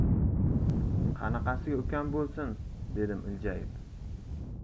qanaqasiga ukam bo'lsin dedim iljayib